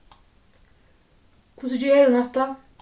hvussu ger hon hatta